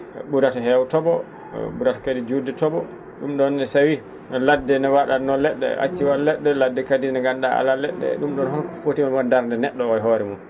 ?urata heew to?o ?urata kadi juutde to?o ?um ?oon ne tawii ladde no wa?atnoo le??e acci wa?de le??e ladde kadi nde nganndu?aa alaa le??e ?um ?oon holko foti won darnde ne??o oo e hoore mum